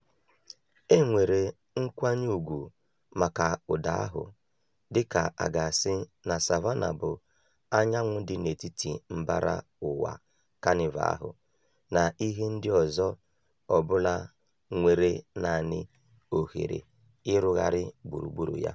E nwere nkwanye ugwu maka ụda ahụ: dịka a ga-asị na Savannah bụ anyanwụ dị n'etiti mbara ụwa Kanịva ahụ na ihe ndị ọzọ ọ bụla nwere naanị ohere irugharị gburugburu ya.